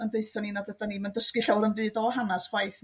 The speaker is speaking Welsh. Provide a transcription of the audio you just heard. deutha ni nad ydan ni'm yn dysgu llawer o'm byd o hanes chwaith yn